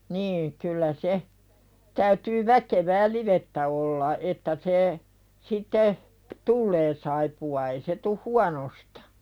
niin kyllä se täytyy väkevää livettä olla että se sitten tulee saippua ei se tule huonosta